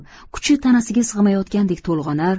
kuchi tanasiga sig'mayotgandek tolg'anar